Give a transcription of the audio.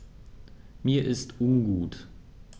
Mir ist ungut.